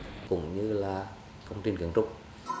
cũng như là công trình kiến trúc